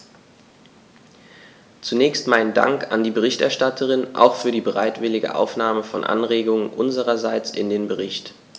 Zunächst meinen Dank an die Berichterstatterin, auch für die bereitwillige Aufnahme von Anregungen unsererseits in den Bericht.